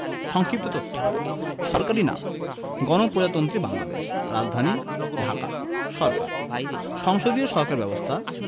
সংক্ষিপ্ত তথ্য সরকারি নামঃ গণপ্রজাতন্ত্রী বাংলাদেশ রাজধানীঃ ঢাকা সরকারঃ সংসদীয় সরকার ব্যবস্থা